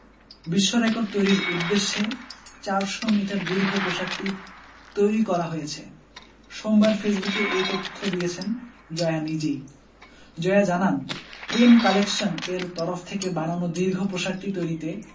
বিশ্বরেকর্ড তৈরির উদ্দেশ্যে ৪০০ মিটার দীর্ঘ পোশাকটি তৈরি করা হয়েছে সোমবার ফেসবুকে এ তথ্য দিয়েছেন জয়া নিজেই জয়া জানান প্রেম কালেকশন এর তরফ থেকে বানানো দীর্ঘ পোশাকটি তৈরিতে